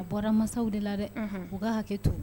A bɔra masaw de la dɛ u ka hakɛ to